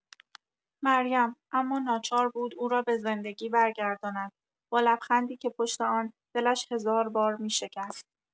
مریم، اما ناچار بود او را به زندگی برگرداند، با لبخندی که پشت آن، دلش هزار بار می‌شکست.